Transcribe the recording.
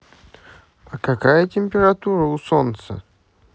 а какая температура у солнца